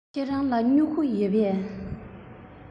ཁྱེད རང ལ སྨྱུ གུ ཡོད པས